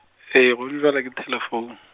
ee gona bjalo ke thelefoune.